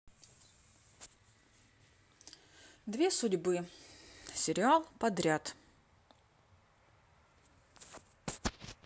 две судьбы сериал подряд